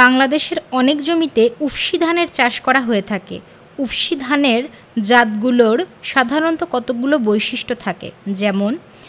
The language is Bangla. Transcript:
বাংলাদেশের অনেক জমিতে উফশী ধানের চাষ করা হয়ে থাকে উফশী ধানের জাতগুলোর সাধারণ কতগুলো বৈশিষ্ট্য থাকে যেমনঃ